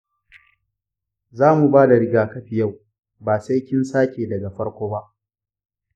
za mu bada rigakafi yau, basai kin sake daga farko ba.